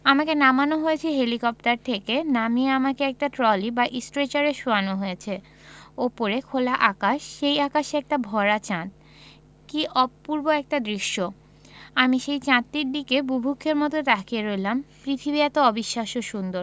আমাকে নামানো হয়েছে হেলিকপ্টার থেকে নামিয়ে আমাকে একটা ট্রলি বা স্ট্রেচারে শোয়ানো হয়েছে ওপরে খোলা আকাশ সেই আকাশে একটা ভরা চাঁদ কী অপূর্ব একটি দৃশ্য আমি সেই চাঁদটির দিকে বুভুক্ষের মতো তাকিয়ে রইলাম পৃথিবী এতো অবিশ্বাস্য সুন্দর